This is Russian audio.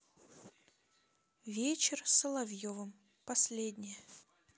вечер с соловьевым последнее